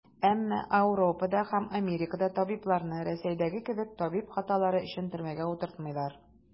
Әмма Ауропада һәм Америкада табибларны, Рәсәйдәге кебек, табиб хаталары өчен төрмәгә утыртмыйлар.